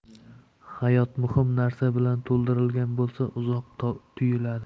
hayot muhim narsa bilan to'ldirilgan bo'lsa uzoq tuyuladi